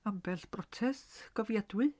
Ambell brotest gofiadwy.